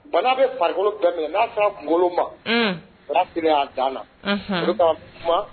Bɔn n'a bɛ farikolo n'a kunkolo ma'a dan